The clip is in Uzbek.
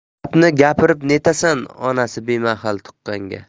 gapni gapirib netasan onasi bemahal tuqqanga